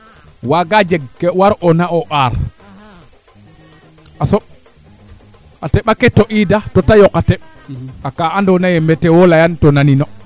ande yoqe en general o guerre anga ndap keeke ke ndap ne o xombele ndap ne koo pudaran boo yaqe yaqe ke mbaag ke ndoq daa leŋ we ne mbiyan